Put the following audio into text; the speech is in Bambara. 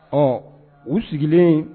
Hɔn u sigilen